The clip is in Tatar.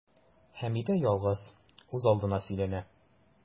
Хәмидә ялгыз, үзалдына сөйләнә.